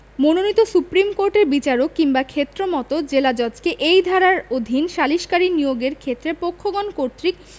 মনোনীত সুপ্রীম কোর্টের বিচারক কিংবা ক্ষেত্রমত জেলাজজকে এই ধারার অধীন সালিসকারী নিয়োগের ক্ষেত্রে পক্ষগণ কর্তৃক